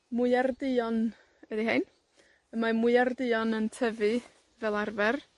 Mwyar duon ydi rhein. A mae mwyar duon yn tyfu, fel arfer,